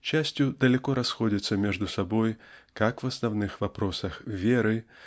частью далеко расходятся между собою как в основных вопросах веры"